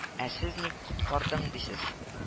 Ә сез ник коткардың дисез…